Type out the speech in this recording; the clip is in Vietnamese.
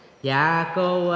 dạ cô